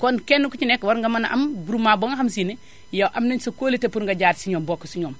kon kenn ku ci nekk war nga mën a am groupement ba nga xam si ne yow am nañu sa kóolute pour nga jaar si ñoom bokk si ñoom